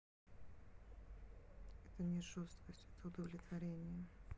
это не жестокость это удовлетворения